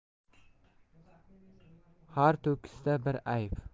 har to'kisda bir ayb